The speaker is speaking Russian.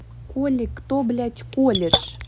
коли кто блядь колледж